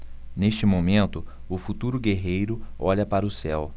neste momento o futuro guerreiro olha para o céu